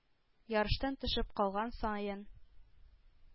Ярыштан төшеп калган саен,